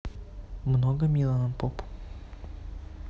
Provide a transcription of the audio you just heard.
много милана попу